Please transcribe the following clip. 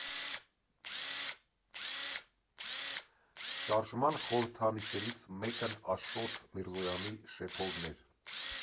Շարժման խորհրդանիշներից մեկն Աշոտ Միրզոյանի շեփորն էր։